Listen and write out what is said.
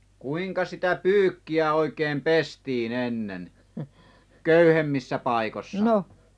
kuinka sitä pyykkiä oikein pestiin ennen köyhemmissä paikoissa